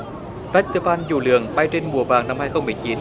festival dù lượn bay trên mùa vàng năm hai không mười chín